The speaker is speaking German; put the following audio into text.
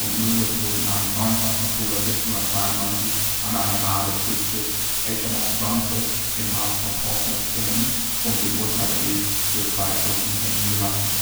Millward wurden am 29. Oktober 1792 an einer Rah des Kriegsschiffes HMS Brunswick im Hafen von Portsmouth gehängt und dem Urteil gemäß „ für zwei Stunden hängen gelassen